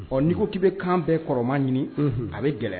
Ɔɔ ni ko ki bɛ kan bɛɛ kɔrɔman ɲini Unhun. A bɛ gɛlɛya